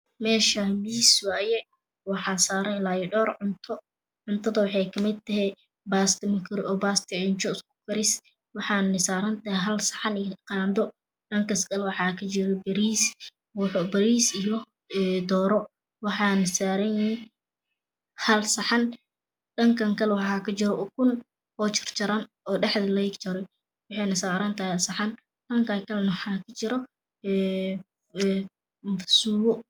Meeshaan miis waaye waxaa saaran ilaa dhowr cunto cuntada waxay ka mid tahay baasto makoroni isku karis waxayna saarantahay hal saxan iyo qaando dhankaas kale waxaa ka jira bariis bariis iyo dooro waxaana saaranyihiin hal saxan dhankaan kale waxaa ka jira ukun oo jarjaran oo dhexda laga jaray waxayna saarantahay saxan dhankaan kale waxaa ka jiro suugo